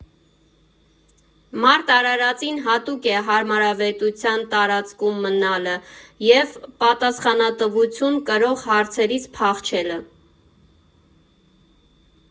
Մարդ արարածին հատուկ է հարմարավետության տարածքում մնալը, և պատասխանատվություն կրող հարցերից փախչելը։